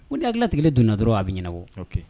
U de hakilitigɛ donnana dɔrɔn a bɛ ɲɛnabɔ